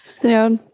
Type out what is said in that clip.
Ti'n iawn?